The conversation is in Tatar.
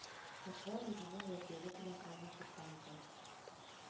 Патша үзенең вәзире белән ауга чыккан икән.